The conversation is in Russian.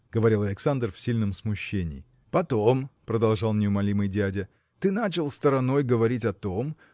– говорил Александр в сильном смущении. – Потом – продолжал неумолимый дядя – ты начал стороной говорить о том